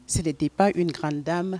Selen de ba yeka' ma